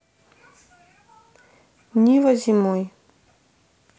нива зимой